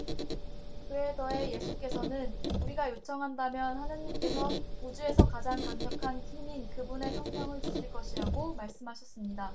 그에 더해 예수께서는 우리가 요청한다면 하느님께서 우주에서 가장 강력한 힘인 그분의 성령을 주실 것이라고 말씀하셨습니다